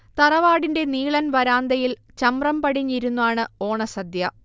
തറവാടിന്റെ നീളൻ വരാന്തയിൽ ചമ്രം പടിഞ്ഞിരുന്നാണ് ഓണസദ്യ